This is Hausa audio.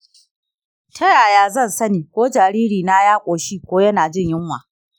ta yaya zan sani ko jariri na ya ƙoshi ko yana jin yunwa?